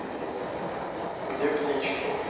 где птички